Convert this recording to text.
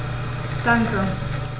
Danke.